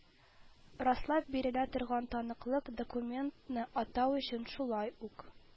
Раслап бирелә торган таныклык, документ»ны атау өчен, шулай ук,